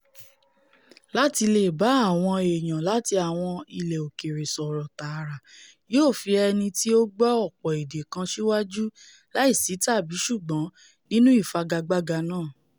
Láti leè bá àwọn èèyàn láti àwọn ilẹ̀ òkèèrè sọrọ tààra yóò fi ẹnití ó gbọ́ ọ̀pọ̀ èdè kan síwájú láìsí tàbí-ṣùgbọ́n nínú ìfagagbága náà.